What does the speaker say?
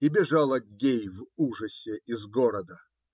И бежал Аггей в ужасе из города.